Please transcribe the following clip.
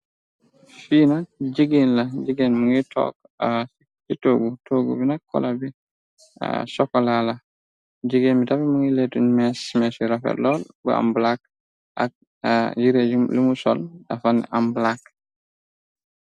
Fiina jigeen la jigeen mu ngiy took a ci toogu toogu binakolabi sokola la jigéen bi tawe mungiy leetuñ mes mesyu raferlool bu am black ak jire limu sol dafan am black.